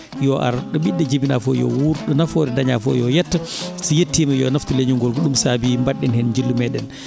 yo ar ɗo ɓiɗɗo jibina fof yo wuur ɗo nafoore daña fof yo yetto si yettima yo naftu leñol ngolko ɗum saabi mbaɗen hen jillumeɗen